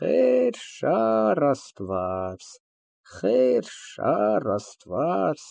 Խեր, շառ, Աստված։ Խեր, շառ, Աստված։